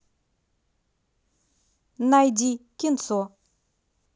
найди кинцо